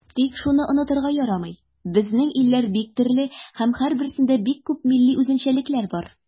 Тик шуны да онытырга ярамый, безнең илләр бик төрле һәм һәрберсендә бик күп милли үзенчәлекләр бар.